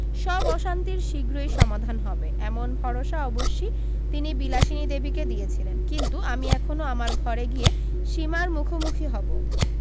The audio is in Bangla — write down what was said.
সব অশান্তির শীঘ্রই সমাধান হবে এমন ভরসা অবশ্যি তিনি বিলাসিনী দেবীকে দিয়েছেন কিন্তু আমি এখনি আমার ঘরে গিয়ে সীমার মুখোমুখি হবো